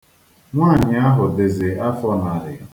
Nwaanyị ahụ dịzi afọ narị.